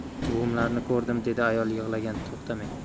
buvimlarni ko'rdim dedi ayol yig'idan to'xtamay